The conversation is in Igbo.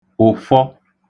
ụ̀fọ